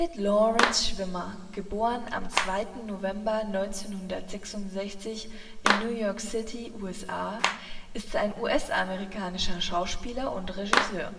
Lawrence Schwimmer (* 2. November 1966 in New York City, USA) ist ein US-amerikanischer Schauspieler und Regisseur